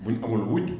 bu ñu amul wujj